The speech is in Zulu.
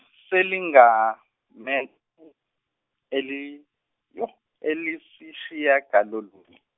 seligame- ele- elesishiyagalolunye.